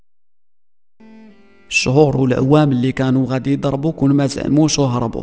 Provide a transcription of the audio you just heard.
شهور واعوام اللي كانوا قد يضربك